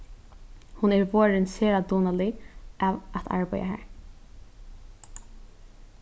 hon er vorðin sera dugnalig av at arbeiða har